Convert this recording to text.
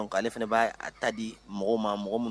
Ale ne fana b'a ta di mɔgɔ maa mɔgɔ ma